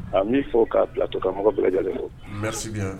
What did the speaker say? A n bi fo ka bila